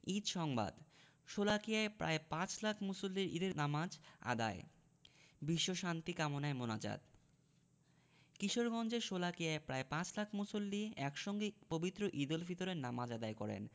ঈদ সংবাদ শোলাকিয়ায় প্রায় পাঁচ লাখ মুসল্লির ঈদের নামাজ আদায় বিশ্বশান্তি কামনায় মোনাজাত কিশোরগঞ্জের শোলাকিয়ায় প্রায় পাঁচ লাখ মুসল্লি একসঙ্গে পবিত্র ঈদুল ফিতরের নামাজ আদায় করেন